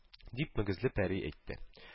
Дип, мөгезле пәри әйтте